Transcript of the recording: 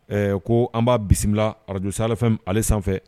Ɛɛ ko an ba bisimila radio Sahɛli F M ale sanfɛ.